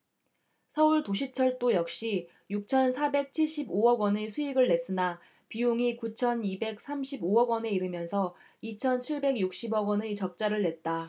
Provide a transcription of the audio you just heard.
서울도시철도 역시 육천 사백 칠십 오 억원의 수익을 냈으나 비용이 구천 이백 삼십 오 억원에 이르면서 이천 칠백 육십 억원의 적자를 냈다